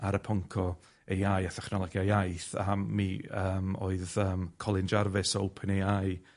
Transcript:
ar y pwnc o Ay Eye a thechnolegiau iaith, a mi yym oedd yym Colin Jarvis o Open Ay Eye